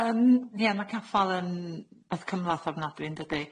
Yym ie ma' caffal yn wbath cymlath ofnadwy yndydi?